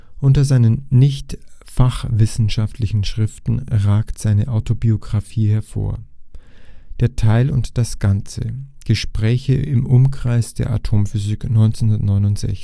Unter seinen nichtfachwissenschaftlichen Schriften ragt seine Autobiographie hervor: Der Teil und das Ganze. Gespräche im Umkreis der Atomphysik (1969